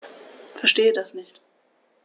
Verstehe das nicht.